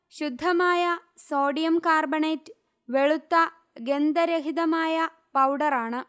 ശുദ്ധമായ sodium carbonate വെളുത്ത ഗന്ധരഹിതമായ പൗഡറാണ്